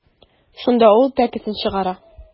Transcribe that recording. Шунда ул пәкесен чыгара.